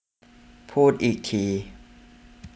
พูดอีกที